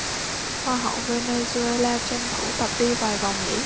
hoa hậu venezuela tranh thủ tập đi vài vòng nhỉ